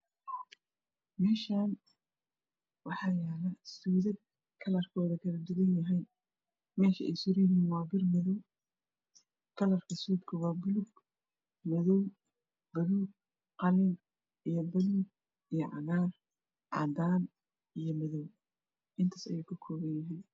Meeshaani waxaa yaalo suudad kalarkoodu kala duwan yahay meesha ay suran yihiin waa bir madow kalrka suudka waa madow buluug qalin iyo cagaar cadaan iyo madow intaas ayey ka koobanyihiin